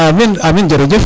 amiin amiin jerejef